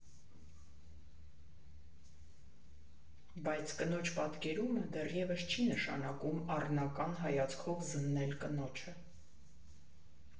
Բայց կնոջ պատկերումը դեռևս չի նշանակում առնական հայացքով զննել կնոջը։